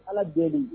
Ala bɛn